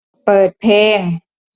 เปิดเพลง